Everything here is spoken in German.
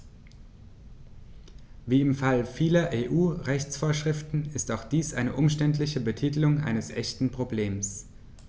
Wie im Fall vieler EU-Rechtsvorschriften ist auch dies eine umständliche Betitelung eines echten Problems.